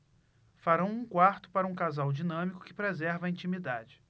farão um quarto para um casal dinâmico que preserva a intimidade